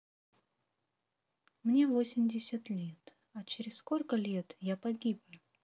мне восемьдесят лет а через сколько лет я погибну